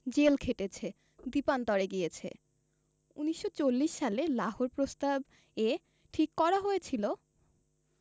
jail খেটেছে দ্বীপান্তরে গিয়েছে ১৯৪০ সালে লাহোর প্রস্তাব এ ঠিক করা হয়েছিল